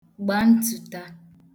gba ndzùta